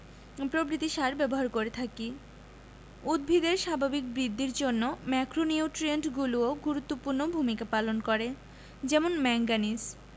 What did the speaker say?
প্রভৃতি সার ব্যবহার করে থাকি উদ্ভিদের স্বাভাবিক বৃদ্ধির জন্য মক্রোনিউট্রিয়েন্টগুলোও গুরুত্বপূর্ণ ভূমিকা পালন করে যেমন ম্যাংগানিজ